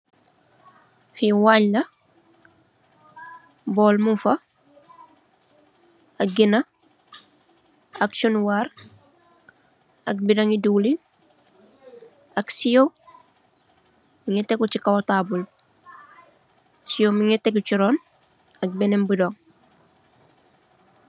Fi wañye la, bowl mungfa, ak genna, chunwar, ak bidong ngi diiw lin, ak siyoo, tegu ci kaw tabul bi, siyoo mungi tegu ci ron ak benen bidong.